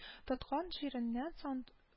Тоткан җиреннән санд